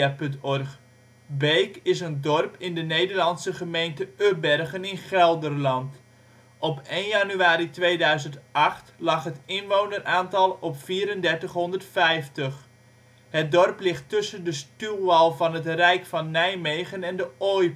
56 ' OL Beek is een dorp in de Nederlandse gemeente Ubbergen (Gelderland). Op 1 januari 2008 lag het inwoneraantal op 3450. Het dorp ligt tussen de stuwwal van het Rijk van Nijmegen en de Ooijpolder